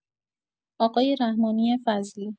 آقای رحمانی فضلی